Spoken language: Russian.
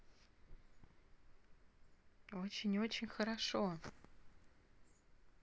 очень очень хорошо